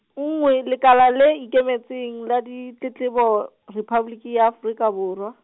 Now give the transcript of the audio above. nngwe, Lekala le Ikemetseng la Ditletlebo, Rephaboliki ya Afrika Borwa.